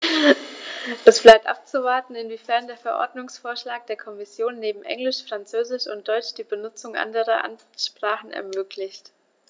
Es bleibt abzuwarten, inwiefern der Verordnungsvorschlag der Kommission neben Englisch, Französisch und Deutsch die Benutzung anderer Amtssprachen ermöglicht.